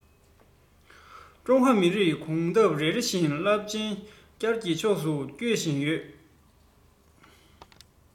ཀྲུང ཧྭ མི རིགས གོམ སྟབས རེ རེ བཞིན རླབས ཆེན བསྐྱར དར གྱི ཕྱོགས སུ སྐྱོད བཞིན ཡོད